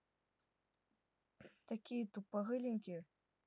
такие тупорыленький